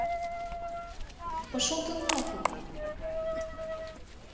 пошел ты на фиг